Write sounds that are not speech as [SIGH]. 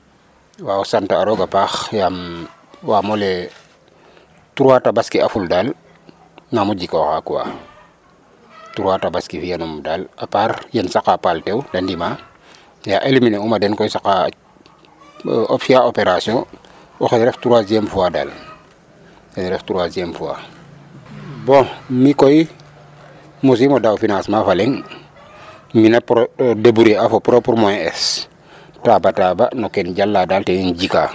Waaw sante'a roog a paax yaam waam o lay ee 3 tabaski aful daal naam o jikooxaa quoi 3 tabaski fi'anum daal a part yen saqa paal tew da ndima ya éliminé uma den koy saka [HESITATION] [NOISE] fiya opération oxe ref 3ieme fois daal xe ref 3ieme fois.